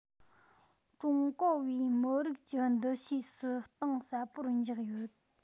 ཀྲུང གོ བའི མི རིགས ཀྱི འདུ ཤེས སུ གཏིང ཟབ པོར འཇགས ཡོད